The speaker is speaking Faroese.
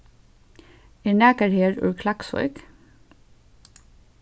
er nakar her úr klaksvík